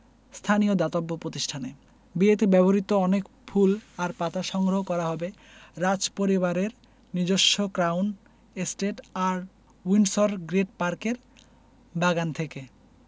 স্থানীয় দাতব্য প্রতিষ্ঠানে বিয়েতে ব্যবহৃত অনেক ফুল আর পাতা সংগ্রহ করা হবে রাজপরিবারের নিজস্ব ক্রাউন এস্টেট আর উইন্ডসর গ্রেট পার্কের বাগান থেকে